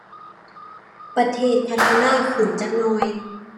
ประเทศพัฒนาขึ้นจักหน่อย